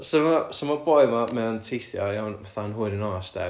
so ma' so ma' boi 'ma mae o'n teithio iawn fatha'n hwyr yn y nos de